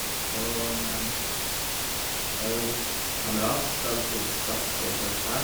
Og jeg og en kamerat skal til Stadt for å surfe.